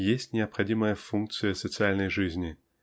есть необходимая функция социальной жизни